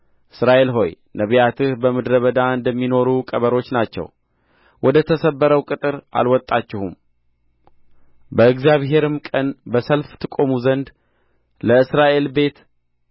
እስራኤል ሆይ ነቢያትህ በምድረ በዳ እንደሚኖሩ ቀበሮች ናቸው ወደ ተሰበረው ቅጥር አልወጣችሁም በእግዚአብሔርም ቀን በሰልፍ ትቆሙ ዘንድ ለእስራኤል ቤት